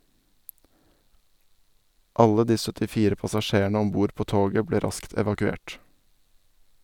Alle de 74 passasjerne om bord på toget ble raskt evakuert.